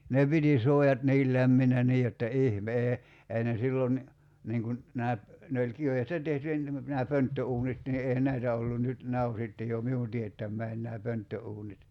ne piti suojat niin lämpimänä niin jotta ihme ei ne silloin niin kuin nämä ne oli kivestä tehty nämä pönttöuunit niin eihän näitä ollut nyt nämä on sitten jo minun teettämäni nämä pönttöuunit